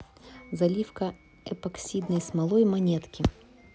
заливка эпоксидной смолой монетки